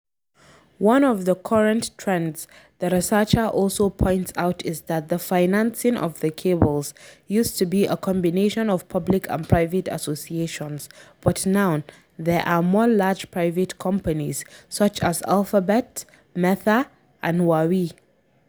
One of the current trends the researcher also points out is that the financing of the cables used to be a combination of public and private associations, but now there are more large private companies such as Alphabet, Meta and Huawei.